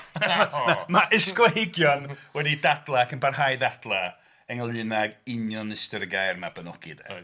Mae ysgolheigion wedi dadlau ac yn parhau i ddadlau ynglŷn ag union ystyr y gair 'Mabinogi' de... Reit.